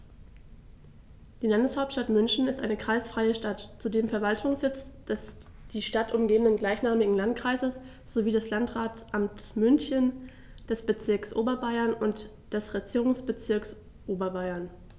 Die Landeshauptstadt München ist eine kreisfreie Stadt, zudem Verwaltungssitz des die Stadt umgebenden gleichnamigen Landkreises sowie des Landratsamtes München, des Bezirks Oberbayern und des Regierungsbezirks Oberbayern.